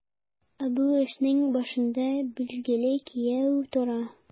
Ә бу эшнең башында, билгеле, кияү тора.